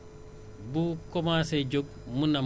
comme yàquwul ci semis bi fi nga ji